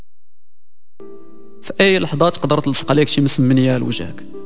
اي اللحظات قدرت عليك شيء باسم منير وجهك